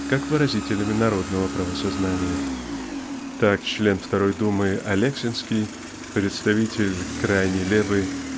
как выразителями народного правосознания. Так член второй Думы Алексинский представитель крайней левой